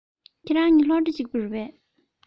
ཁྱེད རང གཉིས སློབ གྲ གཅིག རེད པས